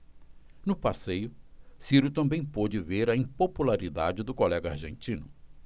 no passeio ciro também pôde ver a impopularidade do colega argentino